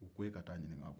u ko e ka ta'a ɲininka